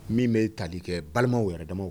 Min bɛ tali kɛ balimaw wɛrɛ dama